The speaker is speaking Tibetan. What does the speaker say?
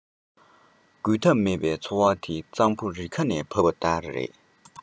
རྒོལ ཐབས མེད པའི ཚོར བ དེ གཙང བོ རི ཁ ནས འབབ པ ལྟར རེད